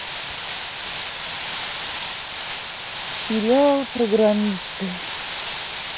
сериал программисты